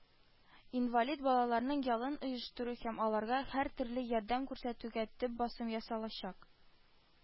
Инвалид балаларның ялын оештыру һәм аларга һәртөрле ярдәм күрсәтүгә төп басым ясалачак